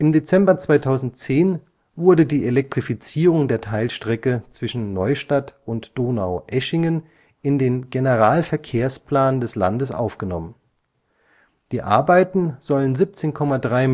Dezember 2010 wurde die Elektrifizierung der Teilstrecke zwischen Neustadt und Donaueschingen in den Generalverkehrsplan des Landes aufgenommen. Die Arbeiten sollen 17,3